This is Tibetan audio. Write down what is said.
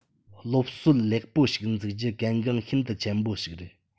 སློབ སྲོལ ལེགས པོ ཞིག འཛུགས རྒྱུ གལ འགངས ཤིན ཏུ ཆེན པོ ཞིག རེད